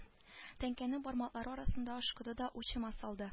Тәңкәне бармаклары арасында ышкыды да учыма салды